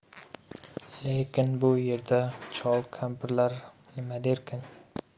lekin bu yerda chol kampirlar nima derkin